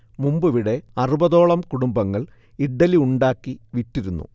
മുമ്പിവിടെ അറുപതോളം കുടുംബങ്ങൾ ഇഡ്ഢലി ഉണ്ടാക്കി വിറ്റിരുന്നു